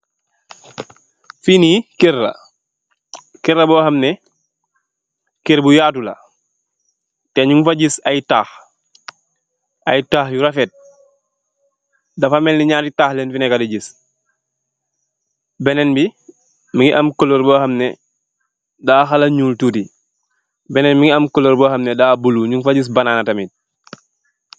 Fii nii, kér la, kér la boo xam ne, bu yaatu la. Te ñung fa gis ay taax, ay taax yu rafet. Dafa melni ñarri tax lañg fi neekë di gis. Benen bi, mu ngi kulor boo xam ne, daa xawa ñuul, benen mu ngi kulor boo xam ne daa buluu, mu ngi am banaana tamit.